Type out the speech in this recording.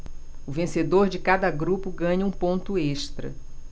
o vencedor de cada grupo ganha um ponto extra